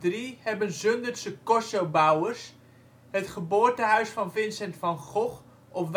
2003 hebben Zundertse corsobouwers het geboortehuis van Vincent van Gogh op